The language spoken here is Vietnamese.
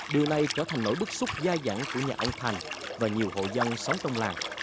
điều này trở thành nỗi bức xúc dai dẳng của nhà ông thành và nhiều hộ dân sống trong làng